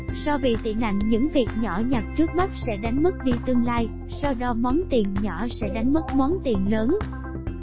so bì tị nạnh những việc nhỏ nhặt trước mắt sẽ đánh mất đi tương lai so đo món tiền nhỏ sẽ đánh mất món tiền lớn